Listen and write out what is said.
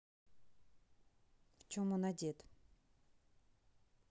в чем он одет